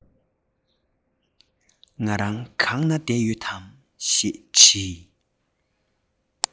ང རང གང ན བསྡད ཡོད དམ ཞེས དྲིས